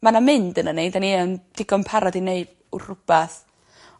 ma' 'na mynd ynon ni 'dyn ni yn digon parod i neu' rhwbath